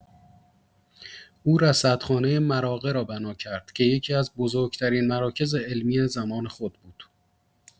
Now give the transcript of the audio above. او رصدخانه مراغه را بنا کرد که یکی‌از بزرگ‌ترین مراکز علمی زمان خود بود.